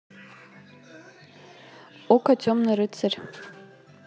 окко темный рыцарь